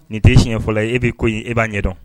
Nin t tɛ tiɲɛɲɛ fɔlɔ e b'i ko ɲi e b'a ɲɛ dɔn